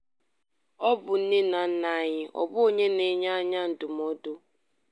Ọ bụ nne na nna anyị, ọ bụ onye na-enye anyị ndụmọdụ.